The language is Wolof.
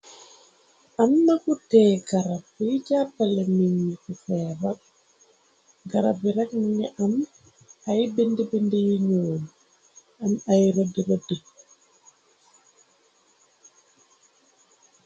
am nakutee garab yi jàppala miñ yi ku fee bag garab yreg nani am ay bind-bind yu ñoon am ay rëg rëdd